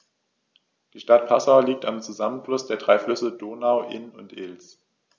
Die Stadt Passau liegt am Zusammenfluss der drei Flüsse Donau, Inn und Ilz.